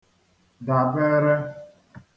dàbere